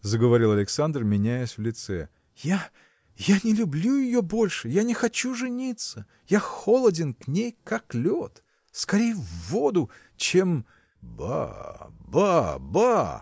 – заговорил Александр, меняясь в лице, – я. я не люблю ее больше!. я не хочу жениться!. Я холоден к ней, как лед!. скорей в воду. чем. – Ба, ба, ба!